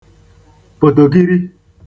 Pòtòkiri